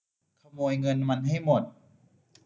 ขโมยเงินมันให้หมด